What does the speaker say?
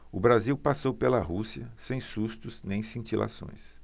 o brasil passou pela rússia sem sustos nem cintilações